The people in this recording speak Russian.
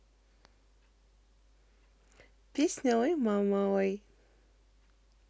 песня ой мама ой